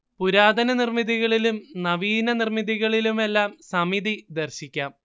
പുരാതന നിർമിതികളിലും നവീനനിർമിതികളിലുമെല്ലാം സമിതി ദർശിക്കാം